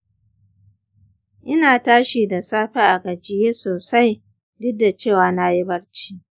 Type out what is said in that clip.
ina tashi da safe a gajiye sosai duk da cewa na yi barci.